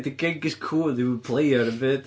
'Di Genghis cŵn ddim yn play ar ddim byd!